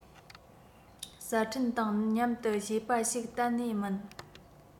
གསར འཕྲིན དང མཉམ དུ བྱས པ ཞིག གཏན ནས མིན